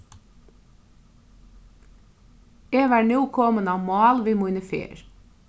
eg var nú komin á mál við míni ferð